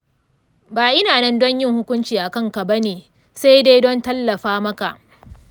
ba ina nan don yin hukunci a kanka ba ne sai don tallafa maka.